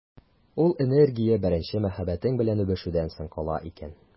Ул энергия беренче мәхәббәтең белән үбешүдән соң кала икән.